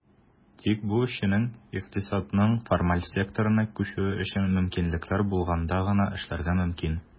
Тик бу эшченең икътисадның формаль секторына күчүе өчен мөмкинлекләр булганда гына эшләргә мөмкин.